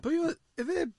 Pwy oedd- yf e?